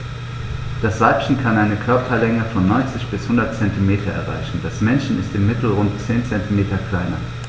Das Weibchen kann eine Körperlänge von 90-100 cm erreichen; das Männchen ist im Mittel rund 10 cm kleiner.